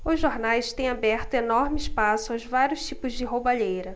os jornais têm aberto enorme espaço aos vários tipos de roubalheira